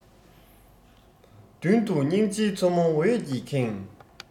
མདུན དུ སྙིང རྗེའི མཚོ མོ འོད ཀྱིས ཁེངས